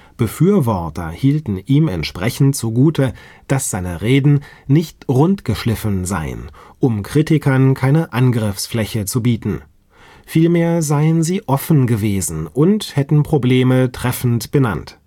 Befürworter hielten ihm entsprechend zugute, dass seine Reden nicht „ rund geschliffen “gewesen seien, um Kritikern keine Angriffsfläche zu bieten; vielmehr seien sie offen gewesen und hätten Probleme treffend benannt